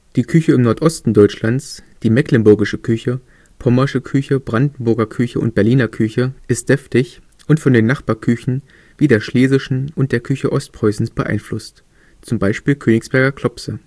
Die Küche im Nordosten Deutschlands, die Mecklenburgische Küche, Pommersche Küche, Brandenburger Küche und Berliner Küche ist deftig und von den Nachbarküchen wie der schlesischen und der Küche Ostpreußens beeinflusst – z. B. Königsberger Klopse